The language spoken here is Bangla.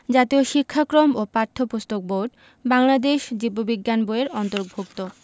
জাতীয় শিক্ষাক্রম ও পাঠ্যপুস্তক বোর্ড বাংলাদেশ জীব বিজ্ঞান বই এর অন্তর্ভুক্ত